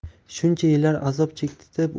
shuncha yillar azob chektitib